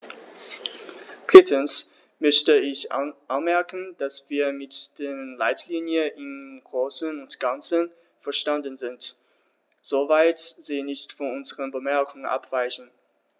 Drittens möchte ich anmerken, dass wir mit den Leitlinien im großen und ganzen einverstanden sind, soweit sie nicht von unseren Bemerkungen abweichen.